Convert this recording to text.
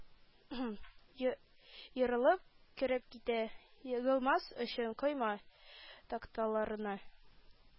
Хм ерылып кереп китә, егылмас өчен койма такталарына,